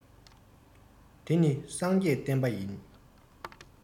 འདི ནི སངས རྒྱས བསྟན པ ཡིན